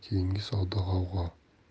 keyingi savdo g'avg'o